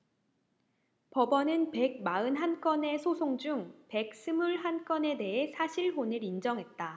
법원은 백 마흔 한 건의 소송 중 백 스물 한 건에 대해 사실혼을 인정했다